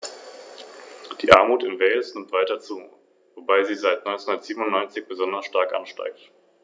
Meine Änderungsanträge betreffen die Frostbeständigkeit der Transportbehälter für Gefahrgut.